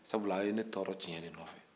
sabula aw ye ne tɔɔrɔ tiɲɛ de nɔfɛ